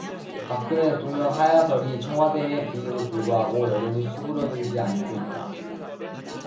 박근혜 대통령 하야설이 청와대의 부인에도 불구하고 여전히 수그러들지 않고 있다